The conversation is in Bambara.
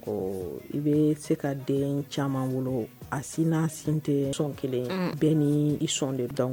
Ɔ i bɛ se ka den caman wolo a si n'a si tɛ yɔrɔ kelen bɛɛ ni i sɔn de don